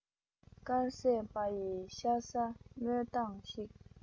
དཀར ཟས པ ཡིས ཤ ཟ སྨོད སྟངས ཤིག